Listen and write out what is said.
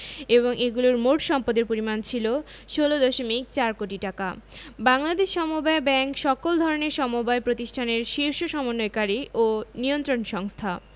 এবং এগুলোর মোট সম্পদের পরিমাণ ছিল ১৬দশমিক ৪ কোটি টাকা বাংলাদেশ সমবায় ব্যাংক সকল ধরনের সমবায় প্রতিষ্ঠানের শীর্ষ সমন্বয়কারী ও নিয়ন্ত্রণ সংস্থা